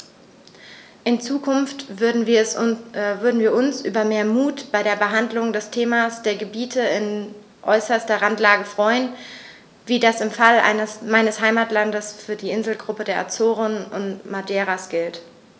In Zukunft würden wir uns über mehr Mut bei der Behandlung des Themas der Gebiete in äußerster Randlage freuen, wie das im Fall meines Heimatlandes für die Inselgruppen der Azoren und Madeiras gilt.